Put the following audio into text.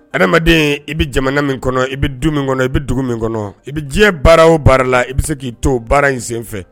Adamaden i bɛ jamana min kɔnɔ i bɛ du min kɔnɔ i bɛ dugu min kɔnɔ i bɛ diɲɛ baara o baara la i bɛ se k'i to baara in senfɛ